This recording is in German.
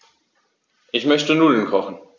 Ich möchte Nudeln kochen.